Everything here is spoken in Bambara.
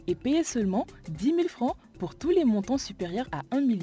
E bɛ ye soma dimi fɔ potuli mɔntɔn suya'an minɛ